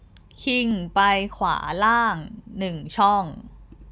คิงไปขวาล่างหนึ่งช่อง